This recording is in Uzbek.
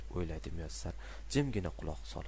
deb o'ylaydi muyassar jimgina quloq solib